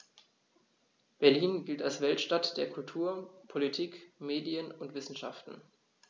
Berlin gilt als Weltstadt der Kultur, Politik, Medien und Wissenschaften.